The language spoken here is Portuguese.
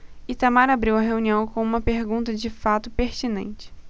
itamar abriu a reunião com uma pergunta de fato pertinente